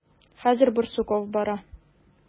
Хәзер Барсуков бара.